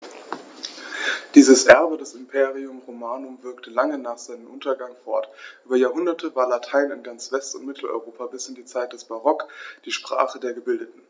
Dieses Erbe des Imperium Romanum wirkte lange nach seinem Untergang fort: Über Jahrhunderte war Latein in ganz West- und Mitteleuropa bis in die Zeit des Barock die Sprache der Gebildeten.